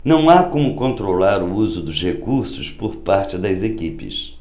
não há como controlar o uso dos recursos por parte das equipes